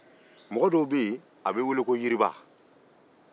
mɔgɔ dɔw be weele ko yiriba